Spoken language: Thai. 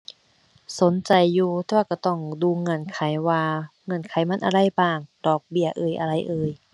สนใจอยู่ แต่ว่าก็ต้องดูเงื่อนไขว่า เงื่อนไขมันอะไรบ้าง ดอกเบี้ยเอย อะไรเอย